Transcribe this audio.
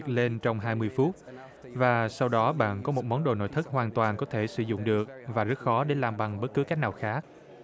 lên trong hai mươi phút và sau đó bạn có một món đồ nội thất hoàn toàn có thể sử dụng được và rất khó để làm bằng bất cứ cách nào khác